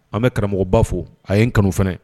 An bɛ karamɔgɔba fo, a ye n kanu fana